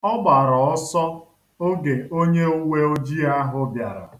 Ọ gbara ọsọ oge onyeuweojii ahụ bịara.